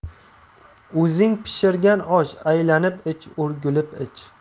o'zing pishirgan osh aylanib ich o'rgulib ich